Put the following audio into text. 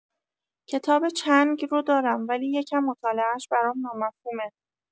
کتاب چنگ رو دارم ولی یکم مطالعش برام نا مفهومه